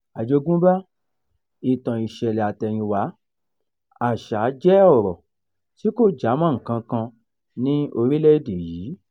Àjogúnbá , ìtàn-ìṣẹ̀lẹ̀-àtẹ̀yìnwá, àṣá jẹ́ ọ̀rọ̀ tí kò já mọ́ nǹkan ní orílẹ̀-èdè yìí!